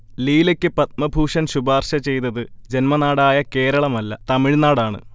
ലീലയ്ക്ക് പദ്മഭൂഷൺ ശുപാർശ ചെയ്തത് ജന്മനാടായ കേരളമല്ല, തമിഴ്നാടാണ്